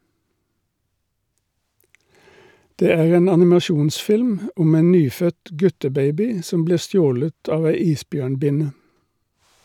Det er en animasjonsfilm om en nyfødt guttebaby som blir stjålet av ei isbjørnbinne.